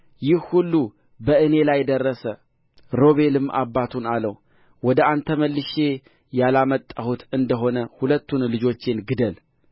ይህ ሁሉ በእኔ ላይ ደረሰ ሮቤልም አባቱን አለው ወደ አንተ መልሼ ያላመጣሁት እንደ ሆነ ሁለቱን ልጆቼን ግደል